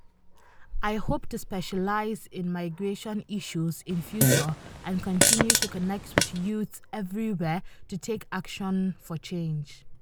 I hope to specialize in migration issues in future and continue to connect with youth everywhere to take action for change.